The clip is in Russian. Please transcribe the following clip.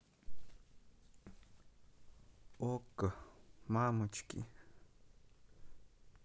окко мамочки